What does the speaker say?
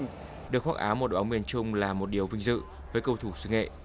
được khoác áo một đội bóng miền trung là một điều vinh dự với cầu thủ xứ nghệ